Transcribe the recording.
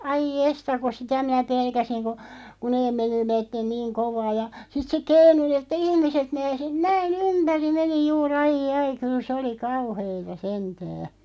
ai jestas kun sitä minä pelkäsin kun kun ne menivät niin kovaa ja sitten se keinui niin että ihmiset meinasi näin ympäri meni juuri ai ai kyllä se oli kauheata sentään